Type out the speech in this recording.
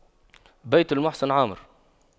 بيت المحسن عمار